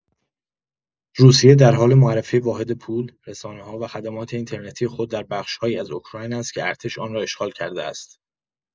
روسیه در حال معرفی واحد پول، رسانه‌ها و خدمات اینترنتی خود در بخش‌هایی از اوکراین است که ارتش آن را اشغال کرده است.